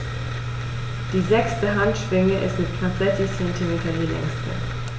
Die sechste Handschwinge ist mit knapp 60 cm die längste.